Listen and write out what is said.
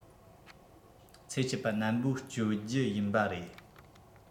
ཚེ ཆད པ ནན པོ གཅོད རྒྱུ ཡིན པ རེད